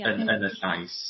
inyn y llais